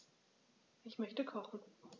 Ich möchte kochen.